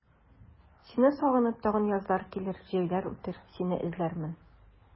Сине сагынып тагын язлар килер, җәйләр үтәр, сине эзләрмен.